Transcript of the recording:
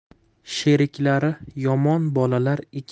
sheriklari yomon bolalar